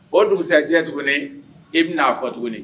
O denmisɛnjɛ tuguni i bɛ'a fɔ tuguni